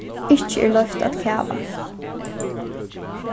ikki er loyvt at kava